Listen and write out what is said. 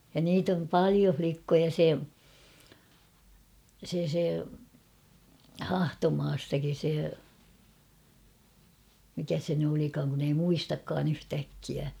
ja niitä on paljon likkoja se se se Hahtomaastakin se mikä se nyt olikaan kun ei muistakaan yhtäkkiä